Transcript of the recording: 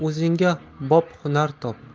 o'zingga bop hunar top